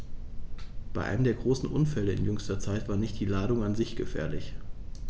Bei einem der großen Unfälle in jüngster Zeit war nicht die Ladung an sich gefährlich.